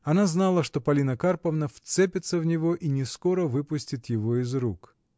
Она знала, что Полина Карповна вцепится в него и не скоро выпустит его из рук.